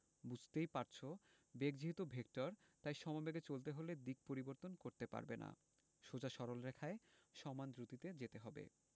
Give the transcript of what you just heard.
বুঝতেই পারছ বেগ যেহেতু ভেক্টর তাই সমবেগে চলতে হলে দিক পরিবর্তন করতে পারবে না সোজা সরল রেখায় সমান দ্রুতিতে যেতে হবে